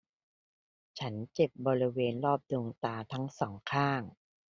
ฉันเจ็บบริเวณรอบดวงตาทั้งสองข้าง